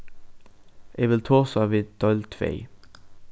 eg vil tosa við deild tvey